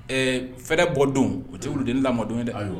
Ɛɛ fɛdɛ bɔ don o ti wulu denin lamon don ye dɛ, ayiwa ye wa